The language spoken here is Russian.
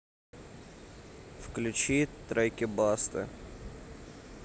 включи треки басты